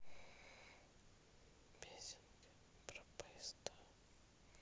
песенки про поезда